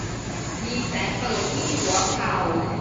มีแผลเปิดที่หัวเข่า